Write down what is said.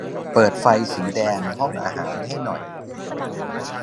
เปิดไฟสีแดงห้องอาหารให้หน่อย